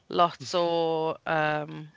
Lot o yym...